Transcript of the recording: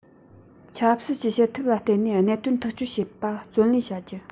ཆབ སྲིད ཀྱི བྱེད ཐབས ལ བརྟེན ནས གནད དོན ཐག གཅོད བྱེད པའི བརྩོན ལེན བྱ རྒྱུ